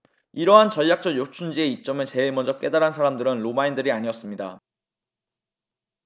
이러한 전략적 요충지의 이점을 제일 먼저 깨달은 사람들은 로마인들이 아니었습니다